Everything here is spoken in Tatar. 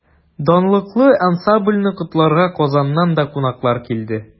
Данлыклы ансамбльне котларга Казаннан да кунаклар килде.